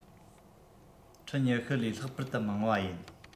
ཁྲི ༢༠ ལས ལྷག པར དུ མང བ ཡིན